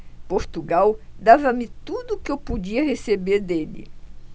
portugal dava-me tudo o que eu podia receber dele